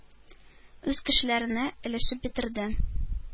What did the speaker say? Үз кешеләренә өләшеп бетерде.